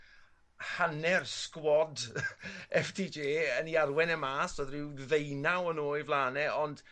hanner sgwad Eff Dee Jay yn 'i arwen e mas odd ryw ddeunaw yno n'w o'i flan e ond